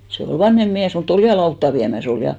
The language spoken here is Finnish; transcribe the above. se oli vanhempi mies mutta oli ja lautaa viemässä oli ja